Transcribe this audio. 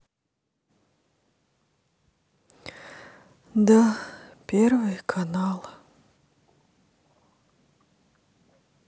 да первый канал